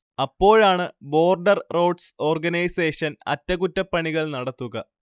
അപ്പോഴാണ് Border Roads Organisation അറ്റകുറ്റപ്പണികൾ നടത്തുക